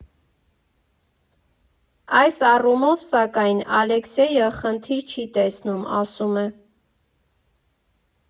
Այս առումով, սակայն, Ալեքսեյը խնդիր չի տեսնում, ասում է.